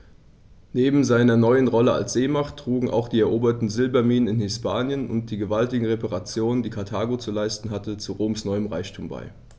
Neben seiner neuen Rolle als Seemacht trugen auch die eroberten Silberminen in Hispanien und die gewaltigen Reparationen, die Karthago zu leisten hatte, zu Roms neuem Reichtum bei.